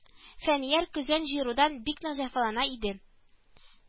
Фәнияр көзән җыерудан бик нык җәфалана иде